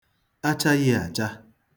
achaghị̄ àcha